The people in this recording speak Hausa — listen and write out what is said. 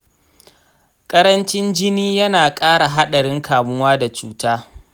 ƙarancin jini yana ƙara haɗarin kamuwa da cuta.